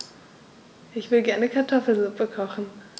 Ich will gerne Kartoffelsuppe kochen.